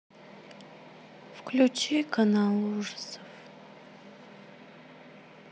включи канал ужасов